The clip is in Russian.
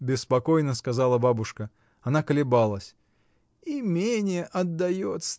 — беспокойно сказала бабушка Она колебалась. — Имение отдает!